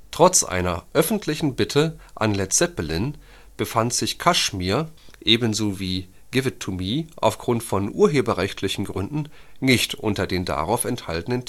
Trotz einer öffentlichen Bitte an Led Zeppelin befand sich Kashmir (ebenso wie Give It to Me) aufgrund von urheberrechtlichen Gründen nicht unter den darauf enthaltenen